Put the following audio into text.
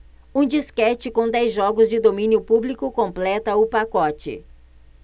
um disquete com dez jogos de domínio público completa o pacote